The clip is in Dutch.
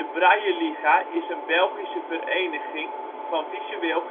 Brailleliga is een Belgische vereniging (vzw) van visueel